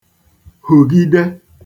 hugide